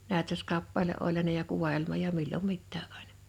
näytöskappale oli ja ne ja kuvaelma ja milloin mitäkin aina